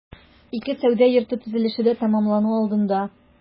Ике сәүдә йорты төзелеше дә тәмамлану алдында.